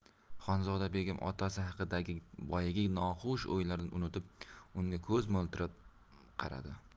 xonzoda begim otasi haqidagi boyagi noxush o'ylarini unutib unga ko'zi mo'ltirab qaradi